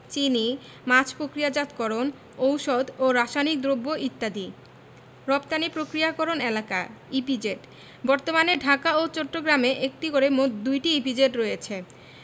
চিনি মাছ পক্রিয়াজাতকরণ ঔষধ ও রাসায়নিক দ্রব্য ইত্যাদি রপ্তানি প্রক্রিয়াকরণ এলাকাঃ ইপিজেড বর্তমানে ঢাকা ও চট্টগ্রামে একটি করে মোট ২টি ইপিজেড রয়েছে